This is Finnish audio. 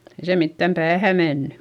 ei se mitään päähän mennyt